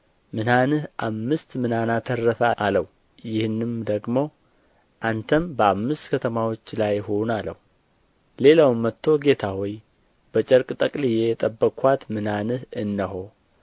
ምናንህ አምስት ምናን አተረፈ አለው ይህንም ደግሞ አንተም በአምስት ከተማዎች ላይ ሁን አለው ሌላውም መጥቶ ጌታ ሆይ በጨርቅ ጠቅልዬ የጠበቅኋት ምናንህ እነሆ